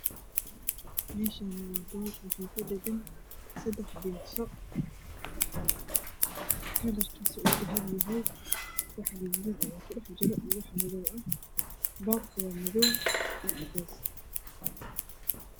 Meeshaani waa boor waxaa ku dhagan sadex pizza kalarkiisa uu dahabi yahay wax gaduudan ayaa ku dhex jiro wax madow ah boorka waa madow iyo cadays